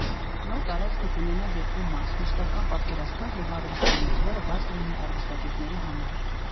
Նոր տարածքը կունենա երկու մաս՝ մշտական պատկերասրահ և արվեստանոց, որը բաց կլինի արվեստագետների համար։